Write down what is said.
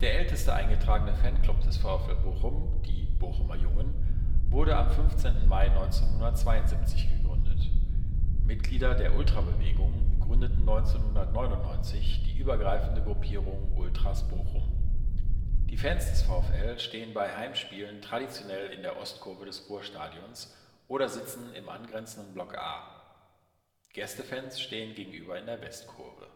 älteste eingetragene Fanclub des VfL Bochum, die Bochumer Jungen, wurde am 15. Mai 1972 gegründet. Mitglieder der Ultrà-Bewegung gründeten 1999 die übergreifende Gruppierung Ultras Bochum. Die Fans des VfL stehen bei Heimspielen traditionell in der Ostkurve des Ruhrstadions, oder sitzen im angrenzenden Block A. Gästefans stehen gegenüber in der Westkurve